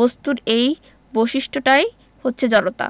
বস্তুর এই বৈশিষ্ট্যটাই হচ্ছে জড়তা